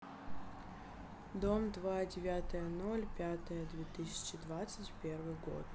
дом два девятое ноль пятое две тысячи двадцать первый год